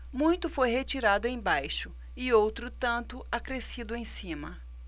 muito foi retirado embaixo e outro tanto acrescido em cima